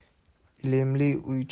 ilmli uy charog'on